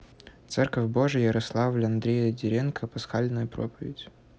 церковь божья ярославль андрей деренко пасхальная проповедь